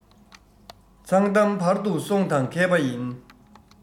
མཚང གཏམ བར དུ གསོང དང མཁས པ ཡིན